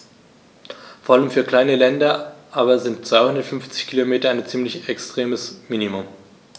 Vor allem für kleine Länder aber sind 250 Kilometer ein ziemlich extremes Minimum.